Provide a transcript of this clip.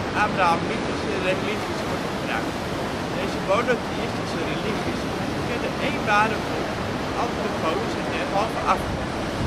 Abrahamitische religies wordt gebruikt. Deze monotheïstische religies kennen één ware god, andere goden zijn derhalve afgoden